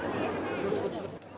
sì bùa